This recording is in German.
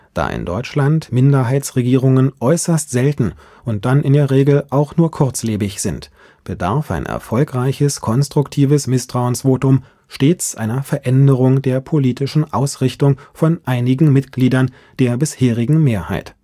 Da in Deutschland Minderheitsregierungen äußerst selten und dann in der Regel auch nur kurzlebig sind, bedarf ein erfolgreiches konstruktives Misstrauensvotum stets einer Veränderung der politischen Ausrichtung von einigen Mitgliedern der bisherigen Mehrheit